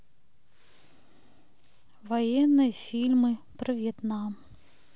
военные фильмы про вьетнам